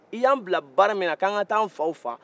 e y'an bila baara minna ko an ka taa an faw faga